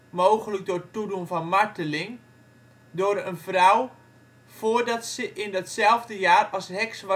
mogelijk door toedoen van marteling) door een vrouw voordat ze in datzelfde jaar als heks